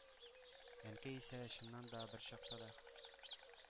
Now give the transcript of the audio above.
Әнкәй исә, чыннан да, берчакта да